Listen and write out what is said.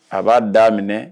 A b'a da minɛ